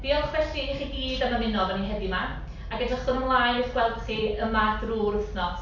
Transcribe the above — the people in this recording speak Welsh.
Diolch felly i chi i gyd am ymuno efo ni heddiw 'ma ac edrychwch ymlaen i'ch gweld chi yma drwy'r wythnos.